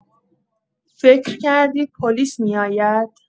فکر کردی پلیس می‌آید؟!